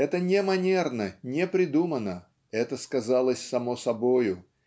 это не манерно, не придумано, это сказалось само собою